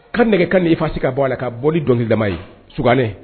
Ka nɛgɛ ka n' ifasi ka bɔ a la ka bɔ dɔnkili dama ye sɛ